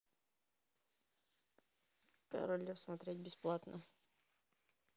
король лев смотреть бесплатно